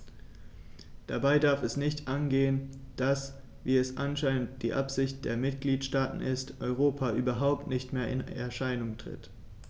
Dabei darf es nicht angehen, dass - wie es anscheinend die Absicht der Mitgliedsstaaten ist - Europa überhaupt nicht mehr in Erscheinung tritt.